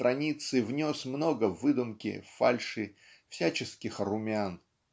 страницы внес много выдумки фальши всяческих румян.